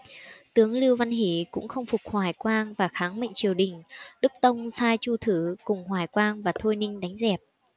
tướng lưu văn hỉ cũng không phục hoài quang và kháng mệnh triều đình đức tông sai chu thử cùng hoài quang và thôi ninh đánh dẹp